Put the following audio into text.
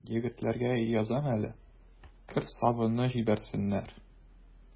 Егетләргә язам әле: кер сабыны җибәрсеннәр.